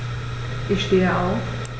Ich stehe auf.